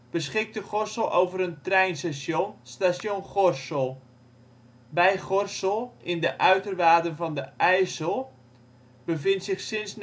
beschikte Gorssel over een treinstation (Station Gorssel). Bij Gorssel, in de uiterwaarden van de IJssel, bevindt zich sinds